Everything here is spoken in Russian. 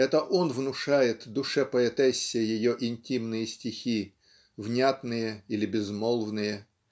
Это он внушает душе-поэтессе ее интимные стихи внятные или безмолвные